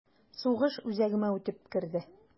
Сугыш үзәгемә үтеп керде...